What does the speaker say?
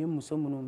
I ye muso mun